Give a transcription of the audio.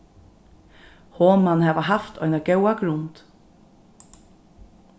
hon man hava havt eina góða grund